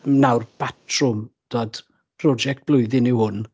nawr batrwm timod project blwyddyn yw hwn